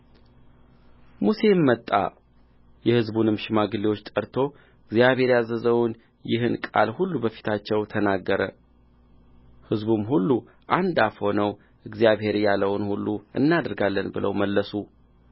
ሙሴም መጣ የሕዝቡንም ሽማግሌዎች ጠርቶ እግዚአብሔር ያዘዘውን ይህን ቃል ሁሉ በፊታቸው ተናገረ ሕዝቡ ሁሉ አንድ አፍ ሆነው እግዚአብሔር ያለውን ሁሉ እናደርጋለን ብለው መለሱ